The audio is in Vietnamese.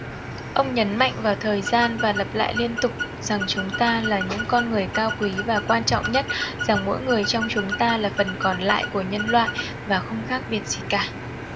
ông nhấn mạnh vào thời gian và lặp lại liên tục rằng chúng ta là những con người cao quý và quan trọng nhất rằng mỗi người trong chúng ta là phần còn lại của nhân loại và không khác biệt gì cả